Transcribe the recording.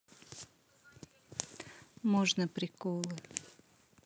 можно приколы